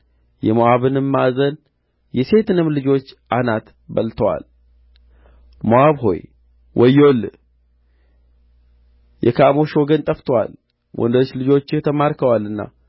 የሞዓብንም ማዕዘን የሤትንም ልጆች አናት በልቶአል ሞዓብ ሆይ ወዮልህ የካሞሽ ወገን ጠፍቶአል ወንዶች ልጆችህ ተማርከዋልና